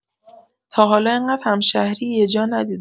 تا حالا انقد همشهری یه جا ندیدم!